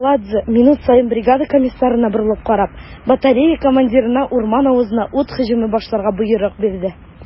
Каладзе, минут саен бригада комиссарына борылып карап, батарея командирына урман авызына ут һөҗүме башларга боерык бирде.